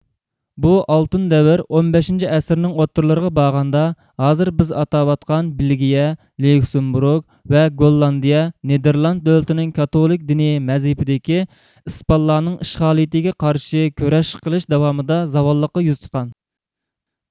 بۇ ئالتۇن دەۋر ئون بەشىنچى ئەسىرنىڭ ئوتتۇرىلىرىغا بارغاندا ھازىر بىز ئاتاۋاتقان بېلگىيە ليۇكسېمبۇرگ ۋە گوللاندىيە نېدېرلاند دۆلىتىنىڭ كاتولىك دىنىي مەزھىپىدىكى ئىسپانلارنىڭ ئىشغالىيىتىگە قارشى كۈرەش قىلىش داۋامىدا زاۋاللىققا يۈز تۇتقان